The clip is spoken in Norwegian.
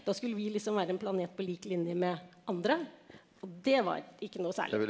da skulle vi liksom være en planet på lik linje med andre og det var ikke noe særlig.